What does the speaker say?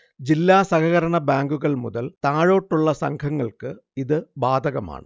ജില്ലാ സഹകരണ ബാങ്കുകൾമുതൽ താഴോട്ടുള്ള സംഘങ്ങൾക്ക് ഇത് ബാധകമാണ്